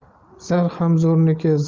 zar ham zo'rniki